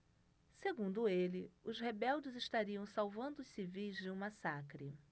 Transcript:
segundo ele os rebeldes estariam salvando os civis de um massacre